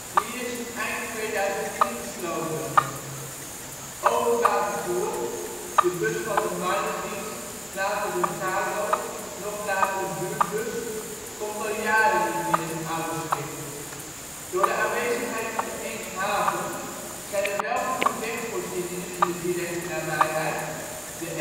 Dit is eind 2010 gesloten. Openbaar vervoer (de bus van de Marnedienst, later de GADO, nog later een buurtbus) komt al jaren niet meer in Oudeschip. Door de aanwezigheid van de Eemshaven zijn er wel goede wegvoorzieningen in de directe nabijheid: de